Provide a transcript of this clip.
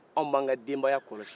anw b'an ka denbaya kɔlɔsi